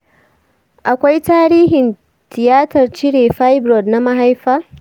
akwai tarihin tiyatar cire fibroids na mahaifa?